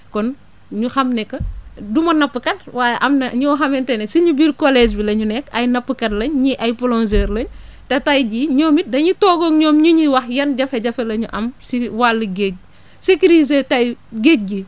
kon ñu xam ne que du ma nappkat waaye am na ñoo xamante ne suñu biir collège bi lañu nekk ay nappkat lañ ñii ay plongeurs lañ te tey jii ñoom it dañuy toog ak ñoom ñu ñuy wax yan jafe-jafe la ñu am si wàllu géej sécuriser tey géej gi